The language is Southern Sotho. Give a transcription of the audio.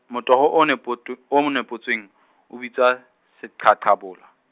motoho o nepoto-, o mo nepotsweng , o bitswa seqhaqhabola.